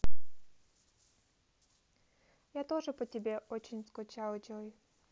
я тоже по тебе очень скучал джой